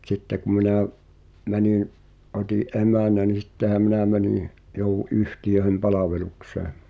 mutta sitten kun minä menin otin emännän niin sittenhän minä menin jouduin yhtiöiden palvelukseen